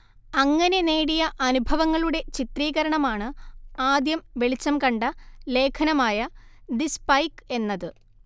അങ്ങനെ നേടിയ അനുഭവങ്ങളുടെ ചിത്രീകരണമാണ് ആദ്യം വെളിച്ചം കണ്ട ലേഖനമായ ദി സ്പൈക്ക് എന്നത്